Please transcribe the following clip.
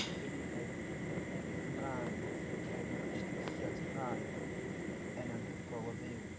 Y gymuned Gymraeg yym a jyst diwylliant Cymraeg yn anhygoel o fyw.